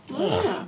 Aa.